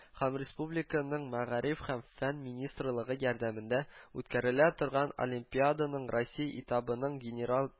Һәм республиканың мәгариф һәм фән министрлыгы ярдәмендә үткәрелә торган олимпиаданың россия этабының генераль